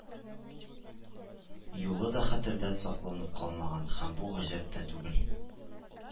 Юлы да хәтердә сакланып калмаган һәм бу гаҗәп тә түгел